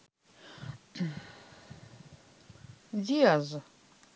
diazz